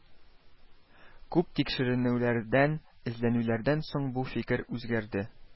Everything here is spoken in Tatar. Күп тикшеренүләрдән, эзләнүләрдән соң бу фикер үзгәрде